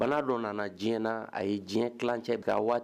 Bana dɔ nana diɲɛ na a ye diɲɛlan cɛ waati